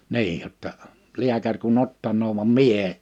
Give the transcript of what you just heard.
niin jotta lääkäri kun ottaa vaan minä en